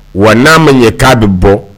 Wa n'a ma ɲɛ taa don bɔ